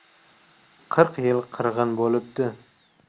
qirq yil qirg'in bo'libdi